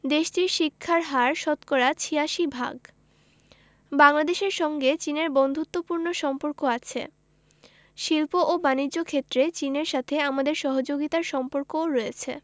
দেশটির শিক্ষার হার শতকরা ৮৬ ভাগ বাংলাদেশের সঙ্গে চীনের বন্ধুত্বপূর্ণ সম্পর্ক আছে শিল্প ও বানিজ্য ক্ষেত্রে চীনের সাথে আমাদের সহযোগিতার সম্পর্কও রয়েছে